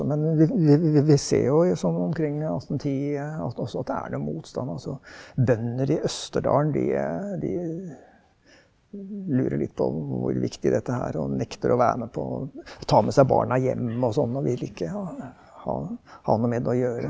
men vi vi vi ser jo sånn omkring 1810 at også at det er noe motstand, altså bønder i Østerdalen de de lurer litt på hvor viktig dette er og nekter å være med på, ta med seg barna hjem og sånn og vil ikke ha ha noe med det å gjøre.